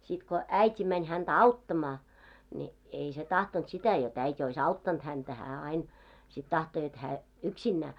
sitten kun äiti meni häntä auttamaan niin ei se tahtonut sitä jotta äiti olisi auttanut häntä hän aina sitten tahtoi jotta hän yksinään